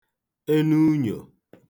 enuunyò